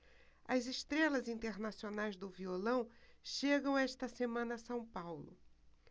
as estrelas internacionais do violão chegam esta semana a são paulo